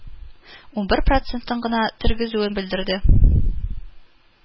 Унбер процентын гына тергезүен белдерде